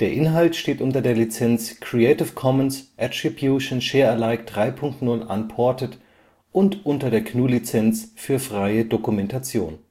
Inhalt steht unter der Lizenz Creative Commons Attribution Share Alike 3 Punkt 0 Unported und unter der GNU Lizenz für freie Dokumentation